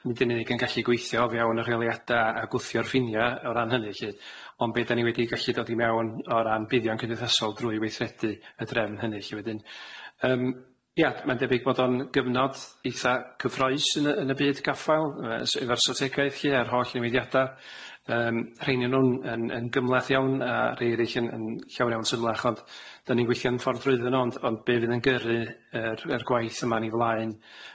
nidyn ni gyn gallu gweithio ofiawn y rheoliada a gwthio'r ffinia o ran hynny lly ond be' dan ni wedi gallu dod i mewn o ran buddion cymdeithasol drwy weithredu y drefn hynny lly wedyn yym ia ma'n debyg bod o'n gyfnod eitha cyffrous yn y yn y byd gaffael yy s- efo'r strategaeth lly a'r holl newidiada yym rheinion nw'n yn yn gymhleth iawn a rhei eryll yn yn llawn iawn symlach ond dan ni'n gweithio'n fforddrwyddyn ond ond be' fydd yn gyrru yr yr gwaith yma'n i flaen